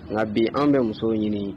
Nka bi an bɛ muso ɲini